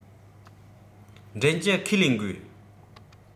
འདྲེན རྒྱུ ཁས ལེན དགོས